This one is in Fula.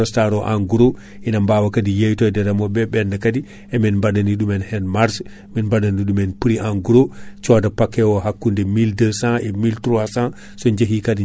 walo koko yano ha dañi caɗele kono ɗiɗo duɓi taati on nani Aprostar nani hongga bawɗi, Aprostar nani haale ,Aprostar nani nane ,Aprostar kaadi nani hutore